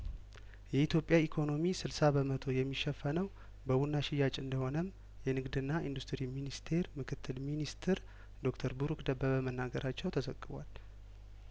የኢትዮጵያ ኢኮኖሚ ስልሳ በመቶ የሚሸፈነው በቡና ሽያጭ እንደሆነም የንግድና ኢንዱስትሪ ሚኒስቴር ምክትል ሚኒስትር ዶክተር ቡሩክ ደበበ መናገራቸው ተዘግቧል